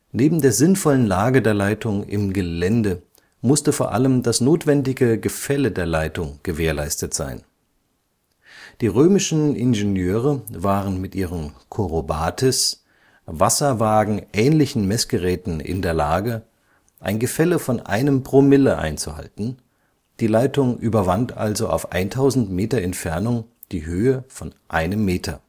Neben der sinnvollen Lage der Leitung im Gelände musste vor allem das notwendige Gefälle der Leitung gewährleistet sein. Die römischen Ingenieure waren mit ihren Chorobates, wasserwaagenähnlichen Messgeräten in der Lage, ein Gefälle von einem Promille einzuhalten, die Leitung überwand also auf eintausend Meter Entfernung die Höhe von einem Meter